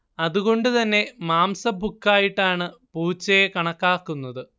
അതുകൊണ്ട് തന്നെ മാംസഭുക്കായിട്ടാണ് പൂച്ചയെ കണക്കാക്കുന്നത്